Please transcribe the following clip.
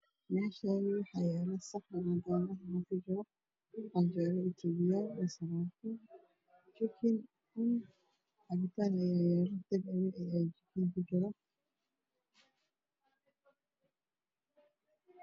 Meeshaan waxaa yaalo saxan cadaan ah waxaa kujiro canjeelo itoobiyaan iyo sawaayad iyo jikin. Cabitaan ayaa yaalo oo tag away ah waxuuna kujiraa jikada.